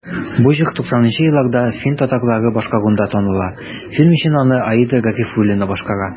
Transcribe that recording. Бу җыр 90 нчы елларда фин татарлары башкаруында таныла, фильм өчен аны Аида Гарифуллина башкара.